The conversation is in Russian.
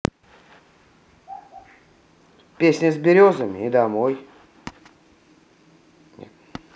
песня с березами домой